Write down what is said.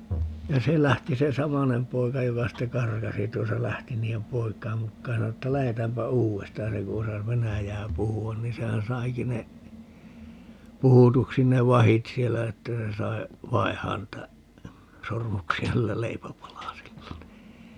ja se lähti se samainen poika joka sitten karkasi tuossa lähti niiden poikien mukaan ja sanoi että lähdetäänpä uudestaan ja se kun osasi venäjää puhua niin sehän saikin ne puhutuksi ne vahdit siellä että se sai vaihtaa niitä sormuksia niillä leipäpalasilla niin